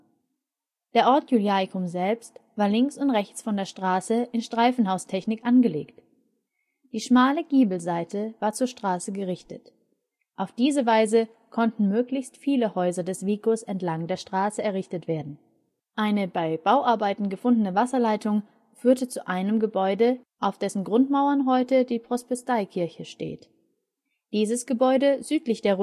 Der Ort Iuliacum selbst war links und rechts von der Straße in Streifenhaustechnik angelegt. Die schmale Giebelseite war zur Straße gerichtet. Auf diese Weise konnten möglichst viele Häuser des vicus entlang der Straße errichtet werden. Eine bei Bauarbeiten gefundene Wasserleitung führte zu einem Gebäude, auf dessen Grundmauern heute die Propsteikirche steht. Dieses Gebäude südlich der Römerstraße